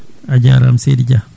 a jarama seydi Dia